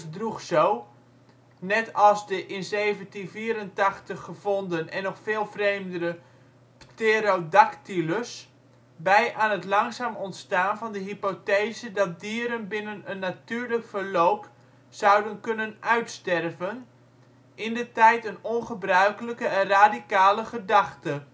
droeg zo, net als de in 1784 gevonden en nog veel vreemdere Pterodactylus, bij aan het langzaam ontstaan van de hypothese dat dieren binnen een natuurlijk verloop zouden kunnen uitsterven, indertijd een ongebruikelijke en radicale gedachte